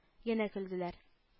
Янә көлделәр